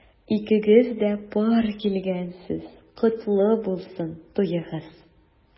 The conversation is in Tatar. Икегез дә пар килгәнсез— котлы булсын туегыз!